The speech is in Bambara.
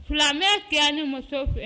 Filamɛ fi yan ni muso fɛ